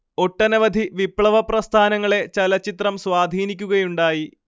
ഒട്ടനവധി വിപ്ലവ പ്രസ്ഥാനങ്ങളെ ചലച്ചിത്രം സ്വാധീനിക്കുകയുണ്ടായി